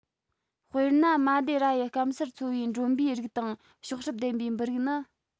དཔེར ན མ སྡེ ར ཡི སྐམ སར འཚོ བའི འགྲོན བུའི རིགས དང གཤོག སྲབ ལྡན པའི འབུ རིགས ནི